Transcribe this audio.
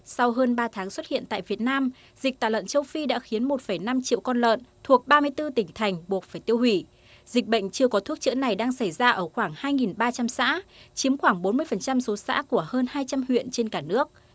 sau hơn ba tháng xuất hiện tại việt nam dịch tả lợn châu phi đã khiến một phẩy năm triệu con lợn thuộc ba mươi tư tỉnh thành buộc phải tiêu hủy dịch bệnh chưa có thuốc chữa này đang xảy ra ở khoảng hai nghìn ba trăm xã chiếm khoảng bốn mươi phần trăm số xã của hơn hai trăm huyện trên cả nước